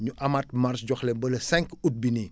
ñu amaat marge jox leen ba le 5 août bi nii